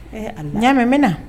A ɲaa mɛn mɛn na